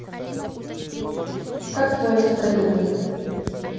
как твое настроение